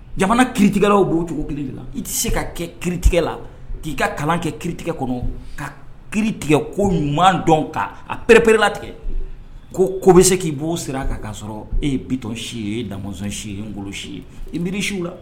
Jamana kitigɛla o' cogo kelen de la i tɛ se ka kɛ kitigɛ la k'i ka kalan kɛ kitigɛ kɔnɔ ka ki tigɛ ko ɲuman dɔn ka a p-erela tigɛ ko ko bɛ se k'i b'o siran'' sɔrɔ e ye bitɔn si ye dazɔn si ngolo si ye i miiri si la